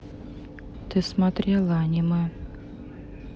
ты смотрела аниме